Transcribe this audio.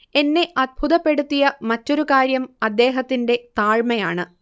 എന്നെ അദ്ഭുതപ്പെടുത്തിയ മറ്റൊരു കാര്യം അദ്ദേഹത്തിന്റെ താഴ്മയാണ്